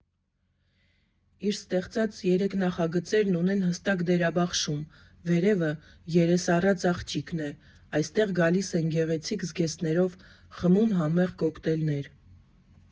Իր ստեղծած երեք նախագծերն ունեն հստակ դերաբաշխում՝ «Վերևը» երեսառած աղջիկն է, այստեղ գալիս են գեղեցիկ զգեստներով, խմում համեղ կոկտեյլներ։